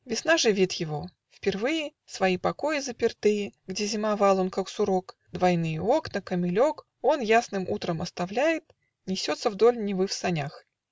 Весна живит его: впервые Свои покои запертые, Где зимовал он, как сурок, Двойные окны, камелек Он ясным утром оставляет, Несется вдоль Невы в санях.